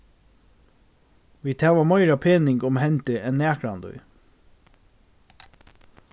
vit hava meira pening um hendi enn nakrantíð